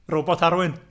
Robot Arwyn.